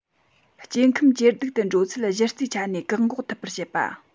སྐྱེ ཁམས ཇེ སྡུག ཏུ འགྲོ ཚུལ གཞི རྩའི ཆ ནས བཀག འགོག ཐུབ པར བྱེད པ